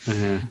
Ie.